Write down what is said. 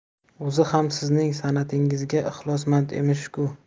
o'zi ham sizning sanatingizga ixlosmand emish ku